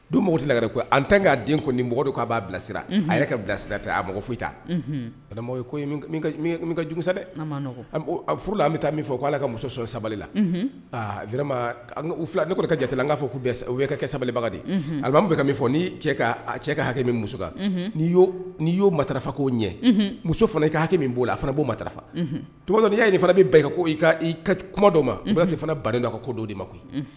Don makoti laga ko an tan k'a den kɔni ni mɔgɔ don k'a'a bilasira a yɛrɛ ka bilasira tɛ a mɔgɔ foyi i ta balima ko ka jsɛ dɛ furu an bɛ taa min fɔ k ko' ala ka muso sɔrɔ sabali la vma fila ne kɔni ka jate n'a fɔ k'u' kɛ sabalibaga a b'an bɛ ka min fɔ ni cɛ ka hakɛ min musoka'i y'o mata ko ɲɛ muso fana' hakɛ min b'o la a fana b'o ma tɔgɔ n' y'a ɲini fana bɛ ko kuma dɔw ma tɛ fana bada ko don de ma koyi